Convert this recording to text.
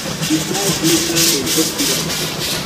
He died later in hospital.